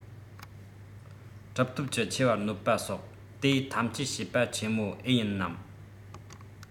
གྲུབ ཐོབ ཀྱི ཆེ བར གནོད པ སོགས དེ ཐམས ཅད བྱས པ ཆེན པོ ཨེ ཡིན ནམ